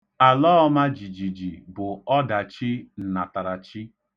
Alọọmajijiji bụ ọdachi nnatarachi.